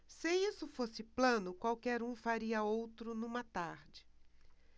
se isso fosse plano qualquer um faria outro numa tarde